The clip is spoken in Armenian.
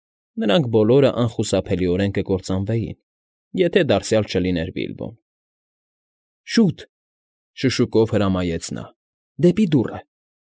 Նրանք բոլորն անխուսափելիորեն կկործանվեին, եթե դարձյալ չլիներ Բիլբոն։ ֊ Շո՛ւտ,֊ շշուկով հրամայեց նա։֊ Դեպի դուռը։